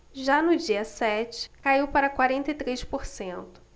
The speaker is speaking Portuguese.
já no dia sete caiu para quarenta e três por cento